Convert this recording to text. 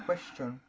Cwestiwn.